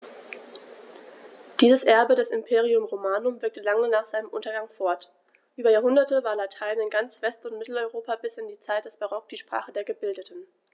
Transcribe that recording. Dieses Erbe des Imperium Romanum wirkte lange nach seinem Untergang fort: Über Jahrhunderte war Latein in ganz West- und Mitteleuropa bis in die Zeit des Barock die Sprache der Gebildeten.